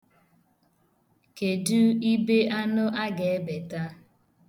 Kedụ ibe anụ a ga-ebeta?